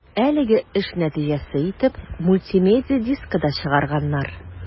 Әлеге эш нәтиҗәсе итеп мультимедия дискы да чыгарганнар.